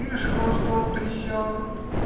Ишь, хвостом трясет.